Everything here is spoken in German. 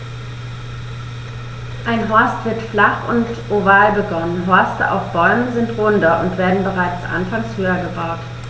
Ein Horst wird flach und oval begonnen, Horste auf Bäumen sind runder und werden bereits anfangs höher gebaut.